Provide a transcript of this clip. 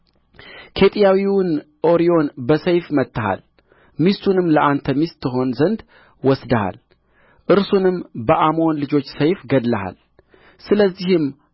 ኬጢያዊውን ኦርዮን በሰይፍ መትተሃል ሚስቱንም ለአንተ ሚስት ትሆን ዘንድ ወስደሃል እርሱንም በአሞን ልጆች ሰይፍ ገድለሃል ስለዚህም